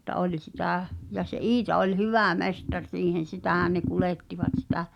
mutta oli sitä ja se Iita oli hyvä mestari siihen sitähän ne kuljettivat sitä